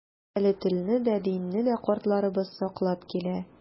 Әле телне дә, динне дә картларыбыз саклап килә.